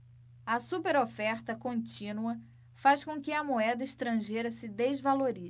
a superoferta contínua faz com que a moeda estrangeira se desvalorize